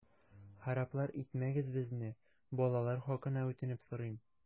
Хараплар итмәгез безне, балалар хакына үтенеп сорыйм!